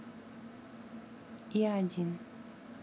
я один